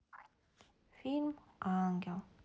кинофильм ангел